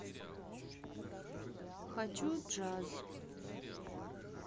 хочу джаз